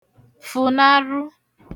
fụ̀narụ